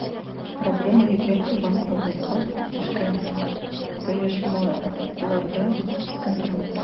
Проблема бигрәк тә банкротлыкка төшкән оешмаларда кискен тора.